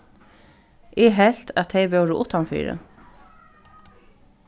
eg helt at tey vóru uttanfyri